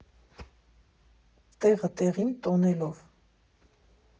Տեղը տեղին տոնելով։